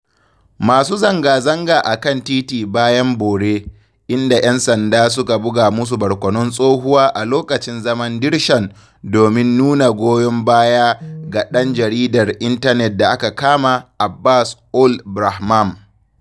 Masu zangazanga a kan titi bayan bore, inda 'yan sanda suka buga musu barkonon tsohuwa a lokacin zaman dirshan domin nuna goyon baya ga ɗan jaridar intanet da aka kama, Abbass Ould Brahmam.